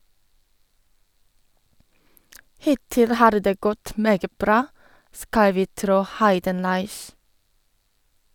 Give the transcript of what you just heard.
Hittil har det gått meget bra, skal vi tro Heidenreich.